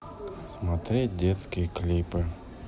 смотреть детские клипы